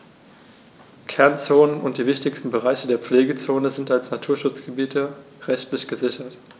Kernzonen und die wichtigsten Bereiche der Pflegezone sind als Naturschutzgebiete rechtlich gesichert.